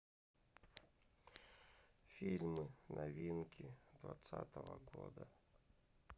фильмы новинки двадцатого года